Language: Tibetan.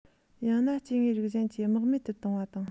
ཡང ན སྐྱེ དངོས རིགས གཞན གྱིས རྨེག མེད དུ གཏོང བ དང